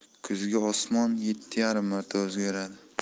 kuzgi osmon yetti yarim marta o'zgaradi